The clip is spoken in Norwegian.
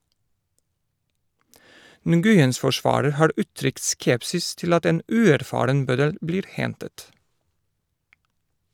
Nguyens forsvarer har uttrykt skepsis til at en uerfaren bøddel blir hentet.